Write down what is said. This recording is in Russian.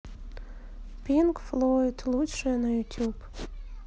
пинк флойд лучшее на ютуб